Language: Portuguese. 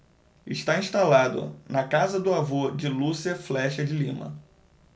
está instalado na casa do avô de lúcia flexa de lima